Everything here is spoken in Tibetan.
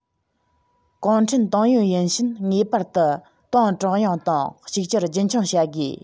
གུང ཁྲན ཏང ཡོན ཡིན ཕྱིན ངེས པར དུ ཏང ཀྲུང དབྱང དང གཅིག གྱུར རྒྱུན འཁྱོངས བྱ དགོས